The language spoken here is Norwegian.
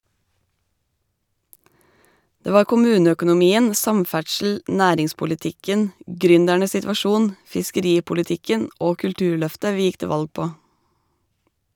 Det var kommuneøkonomien, samferdsel, næringspolitikken , gründernes situasjon, fiskeripolitikken og kulturløftet vi gikk til valg på.